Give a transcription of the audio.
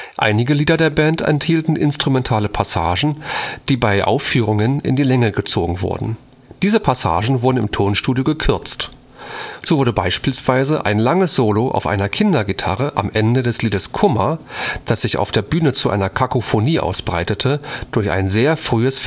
Einige Lieder der Band enthielten instrumentale Passagen, die bei Aufführungen in die Länge gezogen wurden. Diese Passagen wurden im Tonstudio gekürzt. So wurde beispielsweise ein langes Solo auf einer Kindergitarre am Ende des Liedes Kummer, das sich auf der Bühne zu einer Kakophonie ausbreitete, durch ein sehr frühes